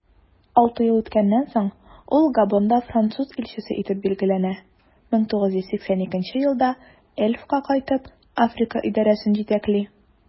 Алты ел үткәннән соң, ул Габонда француз илчесе итеп билгеләнә, 1982 елда Elf'ка кайтып, Африка идарәсен җитәкли.